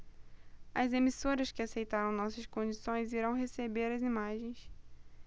as emissoras que aceitaram nossas condições irão receber as imagens